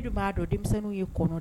Du b'a dɔn denmisɛnninw ye kɔrɔ